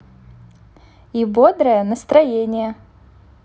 и бодрое настроение